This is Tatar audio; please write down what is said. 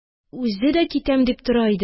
Үзе дә китәм дип тора иде,